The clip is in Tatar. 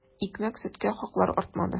Икмәк-сөткә хаклар артмады.